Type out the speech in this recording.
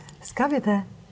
skal vi det?